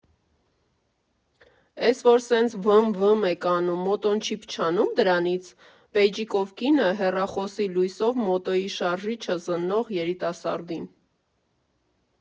֊Էս որ սենց վըըըմ վըըըմ եք անում, մոտոն չի փչանու՞մ դրանից, ֊ բեյջիկով կինը՝ հեռախոսի լույսով մոտոյի շարժիչը զննող երիտասարդին։